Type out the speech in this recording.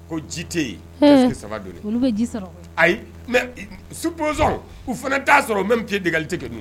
Ko ji tɛ yen saba don olu bɛ ji sɔrɔ ayi mɛ su bonsɔn u fana t'a sɔrɔ mɛ tun tɛ deliti tɛ kelen don